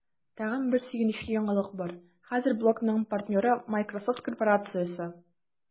Тагын бер сөенечле яңалык бар: хәзер блогның партнеры – Miсrosoft корпорациясе!